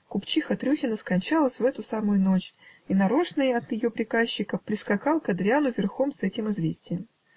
Купчиха Трюхина скончалась в эту самую ночь, и нарочный от ее приказчика прискакал к Адрияну верхом с этим известием.